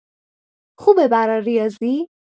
خوبه برا ریاضی؟